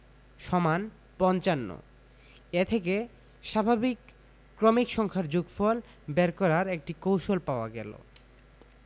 =৫৫ এ থেকে স্বাভাবিক ক্রমিক সংখ্যার যোগফল বের করার একটি কৌশল পাওয়া গেল